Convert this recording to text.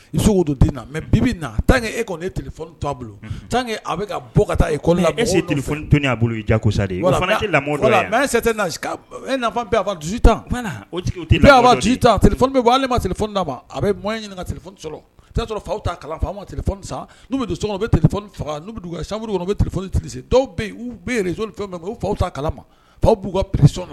Mɛ e to bolo bɔ ka ta bɔ ma ma a bɛ ɲini fa ta ma sau bɛ don u bɛ faga amadu u bɛ dɔw fɛn fa ta kala ma fa b'u kaɔn